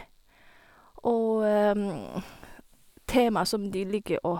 Og tema som de liker å...